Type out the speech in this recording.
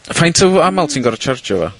Faint o amal ti'n gor'o' tsiarjio fo?